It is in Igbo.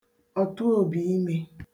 ọ̀tụòbìimē